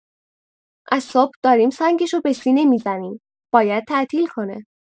از صبح داریم سنگشو به سینه می‌زنیم، باید تعطیل کنه.